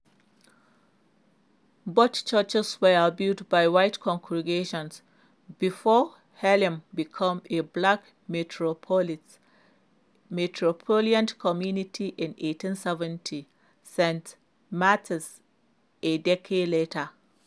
Both churches were built by white congregations before Harlem became a black metropolis - Metropolitan Community in 1870, St. Martin's a decade later.